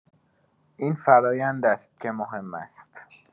این فرایند است که مهم است.